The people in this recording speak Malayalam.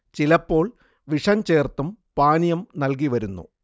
ചിലപ്പോൾ വിഷം ചേർത്തും പാനീയം നൽകി വരുന്നു